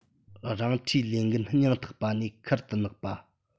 རང འཁྲིའི ལས འགན སྙིང ཐག པ ནས ཁུར དུ མནག པ